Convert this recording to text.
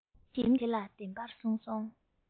རིམ གྱིས དེ ལ བདེན པར བཟུང སོང